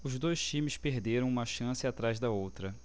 os dois times perderam uma chance atrás da outra